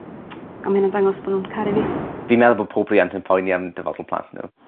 A ma' hynna'n ddangos bo' nw'n cru fi. Fi meddwl bo' pob riant yn poeni am dyfodol plant n'w.